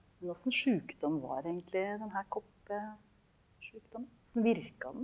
men åssen sjukdom var egentlig den her koppesjukdommen, åssen virka den?